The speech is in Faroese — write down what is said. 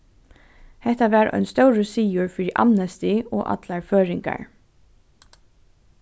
hetta var ein stórur sigur fyri amnesty og allar føroyingar